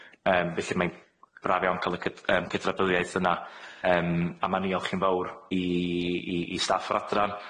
Yym felly mae 'i'n braf iawn ca'l y cyd- yym cydnabyddiaeth yna, yym a ma'n niolch i'n fawr i i i staff yr adran,